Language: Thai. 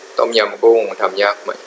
ต้มยำกุ้งทำยากไหม